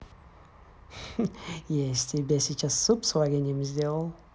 я из тебя сейчас суп с вареньем сделал